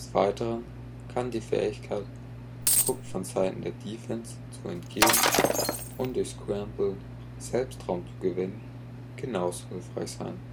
Weiteren kann die Fähigkeit, Druck von Seiten der Defense zu entgehen und durch „ scramblen “selbst Raum zu gewinnen, genauso hilfreich sein